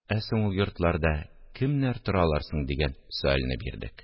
Ә соң ул йортларда кемнәр торалар соң? – дигән сөальне бирдек